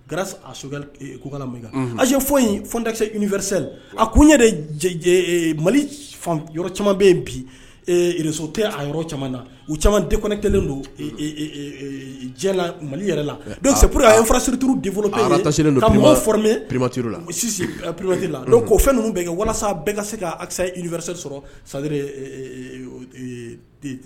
Ga sokɛkala ayisesefa a ko n mali yɔrɔ caman bɛ yen bireso tɛ a yɔrɔ caman na u caman de kɔn kelen don jɛ la mali yɛrɛ la dɔw sepri a yesiriuru de fɔlɔlen don a' fɔ pti la sisi ppti la don ko o fɛn ninnu bɛ kɛ walasa bɛɛ ka se ka asa ifa seli sɔrɔ sa